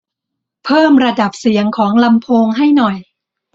เพิ่มระดับเสียงของลำโพงให้หน่อย